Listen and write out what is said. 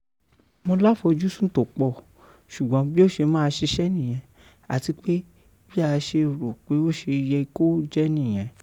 Mo láfojúsùn tó pọ̀, ṣùgbọ́n bí ó ṣe máa ṣiṣẹ́ nìyẹn àtipé bí a ṣe rò ó pé ó ṣe yẹ kó jẹ́ nìyẹn.